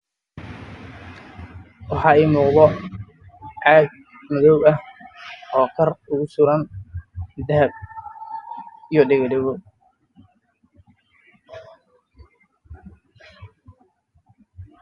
Waa boonbale midabkiisu waa madow dahab ah